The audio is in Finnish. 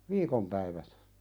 viikon päivät